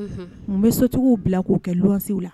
N bɛ socogow bila k'u kɛ lɔsiw la